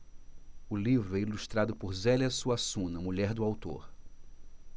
o livro é ilustrado por zélia suassuna mulher do autor